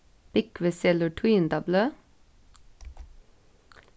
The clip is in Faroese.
búgvi selur tíðindabløð